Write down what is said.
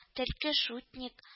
Төлке шутник